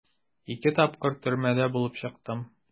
Ике тапкыр төрмәдә булып чыктым.